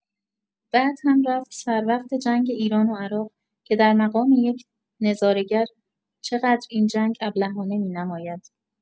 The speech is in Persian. بعد هم رفت سر وقت جنگ ایران و عراق که در مقام یک نظاره‌گر چقدر این جنگ ابلهانه می‌نماید.